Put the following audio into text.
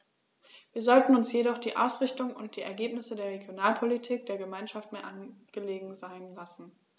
Wir sollten uns jedoch die Ausrichtung und die Ergebnisse der Regionalpolitik der Gemeinschaft mehr angelegen sein lassen.